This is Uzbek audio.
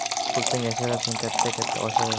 mehnat qilsang yasharsan katta katta osharsan